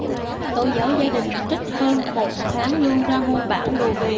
tôi giấu gia đình trích hơn một tháng lương ra mua bản đồ về